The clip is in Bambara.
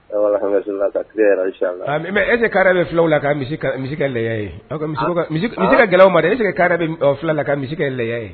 Ese kari bɛ filaw la ka misi lajɛ sera ga ma ese bɛ fila la ka misi ka laya ye